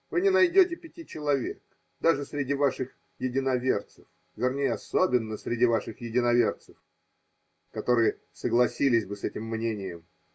Вы не найдете пяти человек даже среди ваших единоверцев – вернее, особенно среди ваших единоверцев, – которые согласились бы с этим мнением.